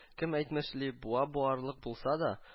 Кем әйтмешли, буа буарлык булса да